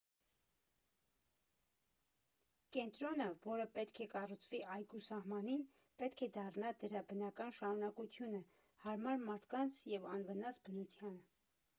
Կենտրոնը, որը պետք է կառուցվի այգու սահմանին, պետք է դառնա դրա բնական շարունակությունը՝ հարմար մարդկանց և անվնաս բնությանը։